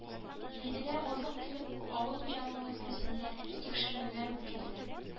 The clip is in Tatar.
Биредә азык-төлек авыл хуҗалыгы өлкәсендә тикшеренүләр үткәрелә